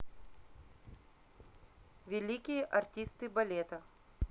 великие артисты балета